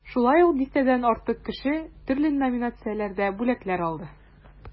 Шулай ук дистәдән артык кеше төрле номинацияләрдә бүләкләр алды.